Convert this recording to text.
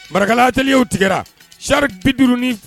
Marakala atelier u tigɛra charre 50 ni f